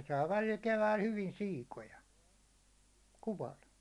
ne saa välillä keväällä hyvin siikoja kuvalla